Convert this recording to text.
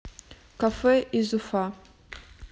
кафе из уфа